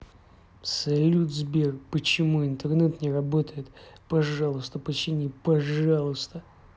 салют сбер почему интернет не работает пожалуйста почини пожалуйста